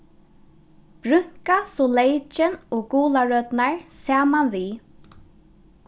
brúnka so leykin og gularøturnar saman við